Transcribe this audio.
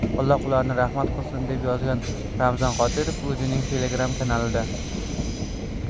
alloh ularni rahmat qilsin deb yozgan ramzan qodirov o'zining telegram kanalida